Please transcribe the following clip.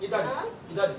I dade, i dade.